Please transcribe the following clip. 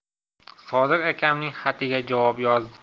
sodiq akamning xatiga javob yozdim